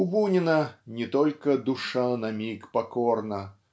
У Бунина не только "душа на миг покорна"